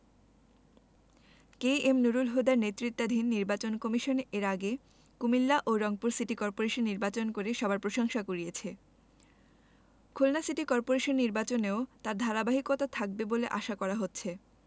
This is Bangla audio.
কে এম নুরুল হুদার নেতৃত্বাধীন নির্বাচন কমিশন এর আগে কুমিল্লা ও রংপুর সিটি করপোরেশন নির্বাচন করে সবার প্রশংসা কুড়িয়েছে খুলনা সিটি করপোরেশন নির্বাচনেও তার ধারাবাহিকতা থাকবে বলে আশা করা হচ্ছে